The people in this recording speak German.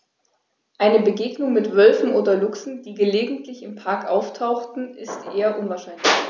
Eine Begegnung mit Wölfen oder Luchsen, die gelegentlich im Park auftauchen, ist eher unwahrscheinlich.